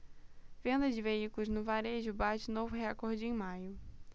venda de veículos no varejo bate novo recorde em maio